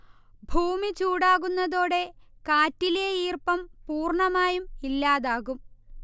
ഭൂമി ചുടാകുന്നതോടെ കാറ്റിലെ ഈർപ്പം പൂർണമായും ഇല്ലാതാകും